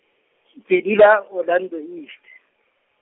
ke dula Orlando East.